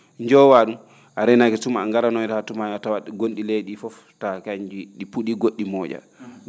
njoowaa ?um a reenaaki tuma ngaranoyraa tuma a tawat ngon?i ley ?ii fof tawa kañ ?i ?i pu?ii go??i ?ii moo?a